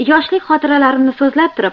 yoshlik xotiralarimni so'zlab turib